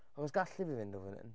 Achos galle fi fynd o fan hyn.